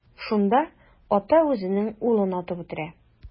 Шунда ата үзенең улын атып үтерә.